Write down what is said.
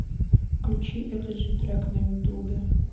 включи этот же трек на ютубе